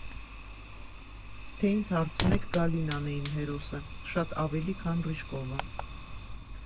Թե ինձ հարցնեք՝ Գալինան է իմ հերոսը, շատ ավելի, քան Ռիժկովը։